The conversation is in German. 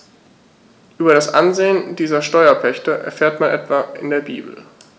Über das Ansehen dieser Steuerpächter erfährt man etwa in der Bibel.